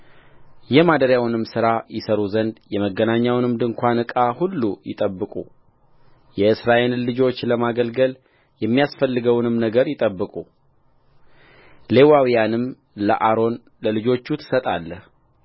የማደሪያውንም ሥራ ይሠሩ ዘንድ የመገናኛውን ድንኳን ዕቃ ሁሉ ይጠብቁ የእስራኤልን ልጆች ለማገልገል የሚያስፈልገውንም ነገር ይጠብቁሌዋውያንንም ለአሮንና ለልጆቹ ትሰጣለህ